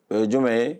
O ye jumɛn ye